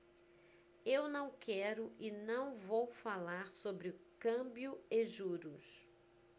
eu não quero e não vou falar sobre câmbio e juros